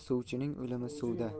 suvchining o'limi suvda